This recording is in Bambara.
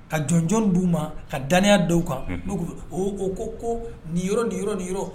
Ka jɔnjɔn d'u ma, ka daniya d'o kan, unhun, o ko ko nin yɔrɔ, ni yɔrɔ, ni yɔrɔ